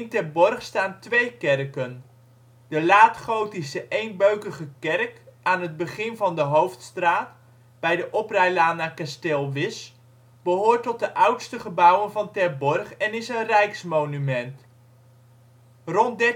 Terborg staan twee kerken. De laatgotische, eenbeukige kerk aan het begin van de Hoofdstraat, bij de oprijlaan naar kasteel Wisch, behoort tot de oudste gebouwen van Terborg en is een rijksmonument. Rond 1370